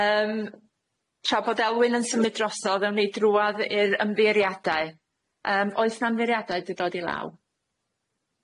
Yym tra bod Elwyn yn symud drosodd awn ni drwadd i'r ymddiheuriadau yym oes 'na ymddiheuriadau di dod i law?